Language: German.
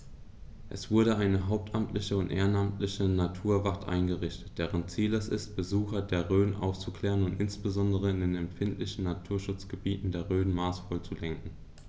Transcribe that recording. Es wurde eine hauptamtliche und ehrenamtliche Naturwacht eingerichtet, deren Ziel es ist, Besucher der Rhön aufzuklären und insbesondere in den empfindlichen Naturschutzgebieten der Rhön maßvoll zu lenken.